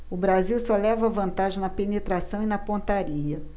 o brasil só leva vantagem na penetração e na pontaria